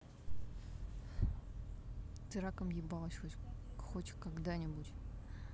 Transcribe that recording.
ты раком ебалась хоть хоть когда нибудь